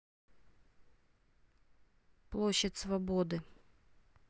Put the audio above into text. площадь свободы